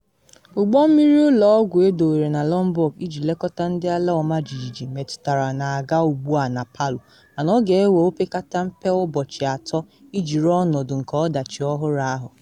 Ụgbọ mmiri ụlọ ọgwụ edowere na Lombok iji lekọta ndị ala ọmajijiji metụtara na aga ugbu a na Palu, mana ọ ga-ewe opekata mpe ụbọchị atọ iji ruo ọnọdụ nke ọdachi ọhụrụ ahụ.